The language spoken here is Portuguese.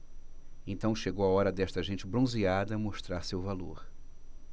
então chegou a hora desta gente bronzeada mostrar seu valor